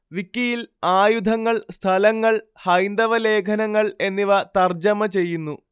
വിക്കിയില്‍ ആയുധങ്ങള്‍ സ്ഥലങ്ങള്‍ ഹൈന്ദവ ലേഖനങ്ങള്‍ എന്നിവ തര്‍ജ്ജമ ചെയ്യുന്നു